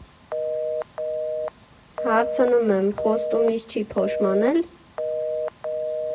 Հարցնում եմ՝ խոստումից չի՞ փոշմանել։